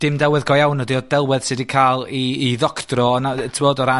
dim delwedd go iawn ydi o, delwedd sy 'di ca'l 'i 'i ddoctro yna yy t'mod o ran